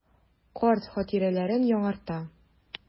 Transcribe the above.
Карт хатирәләрен яңарта.